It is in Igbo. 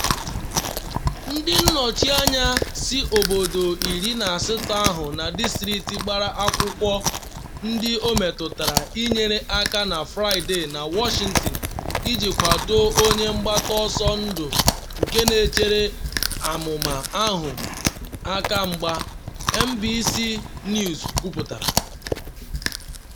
Ndị nnọchi anya si obodo 18 ahụ na district gbara akwụkwọ ndị ọ metụtara inyere aka na Fraịde na Washington iji kwado onye mgbata ọsọ ndụ nke na-echere amụma ahụ aka mgba, NBC News kwuputara.